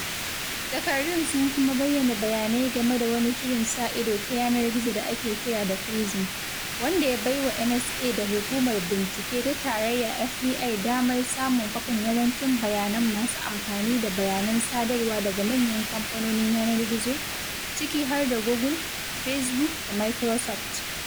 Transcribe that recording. Takardun sun kuma bayyana bayanai game da wani shirin sa ido ta yanar gizo da aka kira da PRISM, wanda ya bai wa NSA da Hukumar Bincike ta Tarayya (FBI) damar samun kwafin yawancin bayanan masu amfani da bayanan sadarwa daga manyan kamfanonin yanar gizo, ciki har da Google, Facebook, da Microsoft.